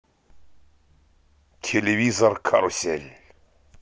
телевизор карусель